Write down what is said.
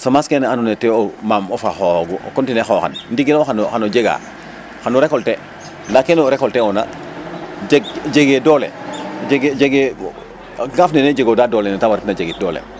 semence kene andoona yee ten maamof a xooxoogu o continuer xooxan ndigil lo xan o jegaa xan o récolté ndaa kene récolté oona jegee doole jegee jegee ngaf ne nee jegooda doole neta waritna jegit doole